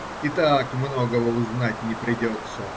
и так многого узнать не придется